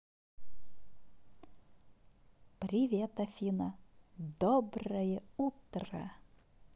привет афина доброе утро